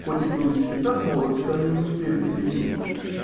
котик был еще так молод, что они не успели позеленеть.